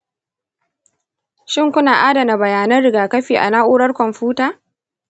shin kuna adana bayanan rigakafi a na'urar kwamfuta?